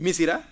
misira